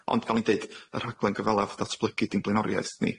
Ond fel o'n i'n deud, y rhaglen gyfalaf datblygu 'di'n blaenoriaeth ni.